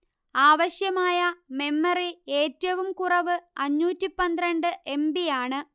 ആവശ്യമായ മെമ്മറി ഏറ്റവും കുറവ് അഞ്ഞൂറ്റി പന്ത്രണ്ട് എം ബി യാണ്